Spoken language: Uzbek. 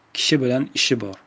kishi bilan ishi bor